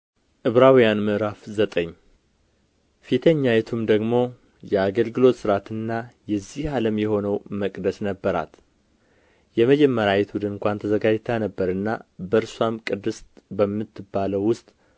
ዕብራውያን ምዕራፍ ዘጠኝ ፊተኛይቱም ደግሞ የአገልግሎት ስርዓትና የዚህ ዓለም የሆነው መቅደስ ነበራት የመጀመሪያይቱ ድንኳን ተዘጋጅታ ነበርና በእርስዋም ቅድስት በምትባለው ውስጥ